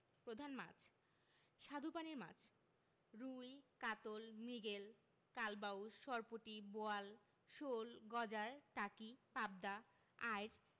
প্রধান মাছ স্বাদুপানির মাছ রুই কাতল মৃগেল কালবাউস সরপুঁটি বোয়াল শোল গজার টাকি পাবদা আইড়